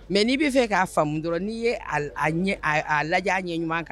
Mɛ n'i'a fɛ k'a famu dɔrɔn n'i ye la a ɲɛ ɲuman kan